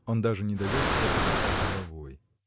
он даже недоверчиво покачал головой.